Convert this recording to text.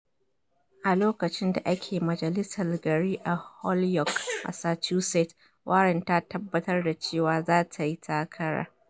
A lokacin da ake majalisar gari a Holyoke, Massachusetts, Warren Ta tabbatar da cewa za ta yi takara.